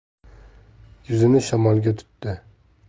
yuzini shamolga tutdi